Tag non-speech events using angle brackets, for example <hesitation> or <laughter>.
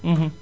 <hesitation> <hesitation>